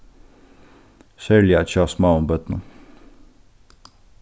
serliga hjá smáum børnum